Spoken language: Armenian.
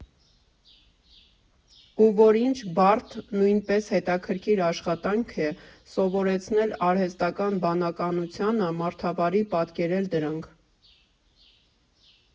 Ու որ ինչ բարդ, նույնպես հետաքրքիր աշխատանք է սովորեցնել արհեստական բանականությանը մարդավարի պատկերել դրանք։